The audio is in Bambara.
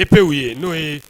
epw ye n'o ye